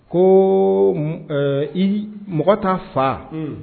Ko i mɔgɔ t'a fa